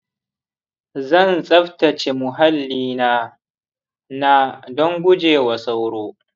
zan tsaftace muhallina na don gujewa sauro.